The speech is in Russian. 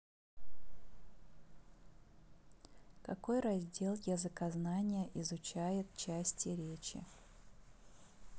какой раздел языкознания изучает части речи